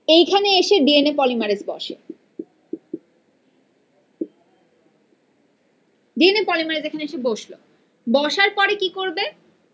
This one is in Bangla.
এইখানে এসে ডিএন এ পলিমারেজ বসে ডি এন এ পলিমারেজ এখানে এসে বসল বসার পরে কি করবে